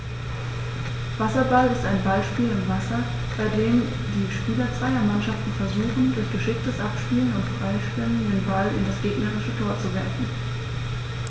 Wasserball ist ein Ballspiel im Wasser, bei dem die Spieler zweier Mannschaften versuchen, durch geschicktes Abspielen und Freischwimmen den Ball in das gegnerische Tor zu werfen.